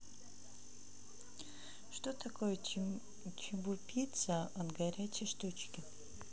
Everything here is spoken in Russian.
что такое чебупицца от горячей штучки